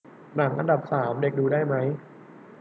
หนังอันดับสามเด็กดูได้ไหม